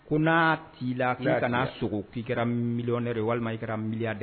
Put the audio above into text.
Ko n'a t'i la k'i kana sugo k'i kɛra millionnaire walima i kɛra milliardaire dɛ